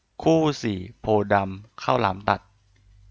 คู่สี่โพธิ์ดำข้าวหลามตัด